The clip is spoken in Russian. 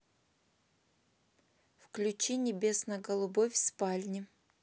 включи небесно голубой в спальне